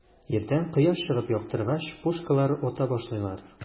Иртән кояш чыгып яктыргач, пушкалар ата башлыйлар.